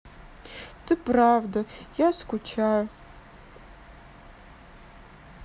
ты правда я скучаю